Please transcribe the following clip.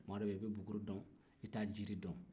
maa dɔ bɛ yen i bɛ buguri dɔn i t'a jiri dɔn